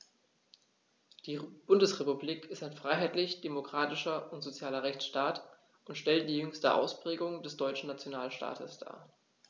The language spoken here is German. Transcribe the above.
Die Bundesrepublik ist ein freiheitlich-demokratischer und sozialer Rechtsstaat und stellt die jüngste Ausprägung des deutschen Nationalstaates dar.